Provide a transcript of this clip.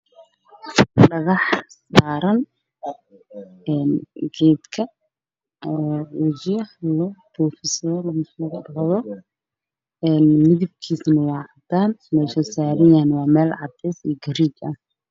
Waa dhagax saaran geedka wajiga lugu dhaqdo midabkiisu waa cadaan, meesha uu saaran yahay waa meel cadeys iyo gareeji ah.